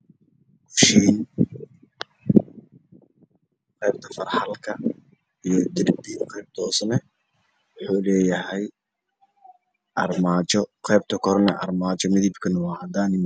Waa jiko qeybta faraxalka iyo armaajo leh